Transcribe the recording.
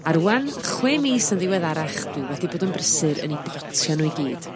A rŵan chwe mis yn ddiweddarach dwi wedi bod yn brysur yn 'u potio n'w i gyd.